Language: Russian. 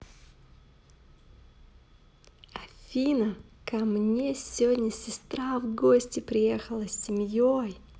афина ка мне седня сестра в гости приехала с семьей